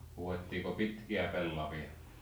huudettiinko pitkiä pellavia